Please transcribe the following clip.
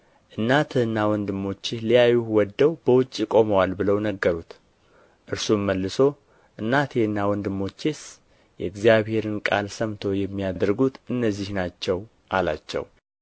እናትህና ወንድሞችህ ሊያዩህ ወድደው በውጭ ቆመዋል ብለው ነገሩት እርሱም መልሶ እናቴና ወንድሞቼስ የእግዚአብሔርን ቃል ሰምተው የሚያደርጉት እነዚህ ናቸው አላቸው